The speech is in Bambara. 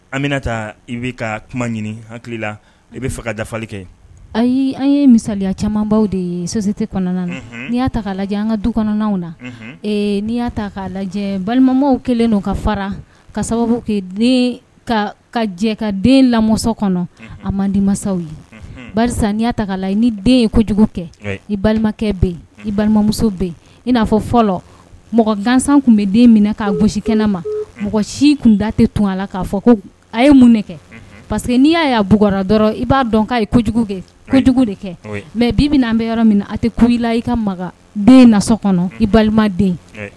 An taa i bɛli kɛ ayi an ye misaya camanbaw de yete kɔnɔna na nia' lajɛ an duw na n'ia k'a lajɛ balimaw kɛlen ka fara ka sababu ka jɛ ka den lamɔ kɔnɔ a man masaw ye n'i la i ni den ye kojugu kɛ i balimakɛ bɛ i balimamuso bɛ i'afɔ fɔlɔ mɔgɔ gansan tun bɛ den minɛ' gosi kɛnɛ ma mɔgɔ si tun da tɛ tun a la k'a fɔ ko a ye mun de kɛ parce que n'i y'a y'a bug dɔrɔn i b'a dɔn k ye kojugu kɛ kojugu de kɛ mɛ bi bɛna'an bɛ yɔrɔ min a tɛ ko i la i ka den na i balima